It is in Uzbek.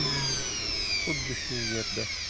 xuddi shu yerda